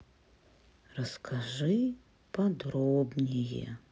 расскажи подробнее